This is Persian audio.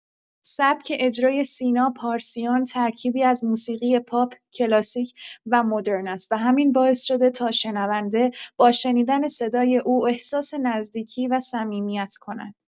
سبک اجرای سینا پارسیان ترکیبی از موسیقی پاپ کلاسیک و مدرن است و همین باعث شده تا شنونده با شنیدن صدای او احساس نزدیکی و صمیمیت کند.